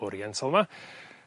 Oriental 'ma